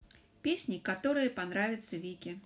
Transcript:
песни которые понравятся вике